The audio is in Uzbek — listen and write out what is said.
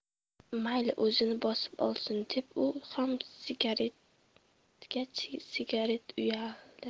mayli o'zini bosib olsin deb u ham sigaretga sigaret ulaydi